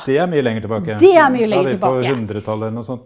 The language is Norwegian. det er mye lenger tilbake da er vi på hundretallet eller noe sånt.